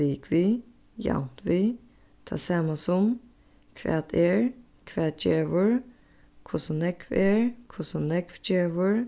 ligvið javnt við tað sama sum hvat er hvat gevur hvussu nógv er hvussu nógv gevur